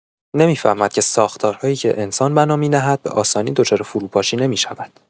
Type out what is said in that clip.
نمی‌فهمد که ساختارهایی که انسان بنا می‌نهد به‌آسانی دچار فروپاشی نمی‌شود.